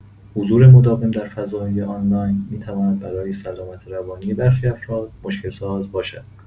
حضور مداوم در فضای آنلاین می‌تواند برای سلامت روانی برخی افراد مشکل‌ساز باشد.